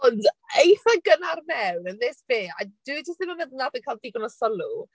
Ond eitha gynnar mewn in this bit, dwi jyst ddim yn meddwl wnaeth e gael digon o sylw.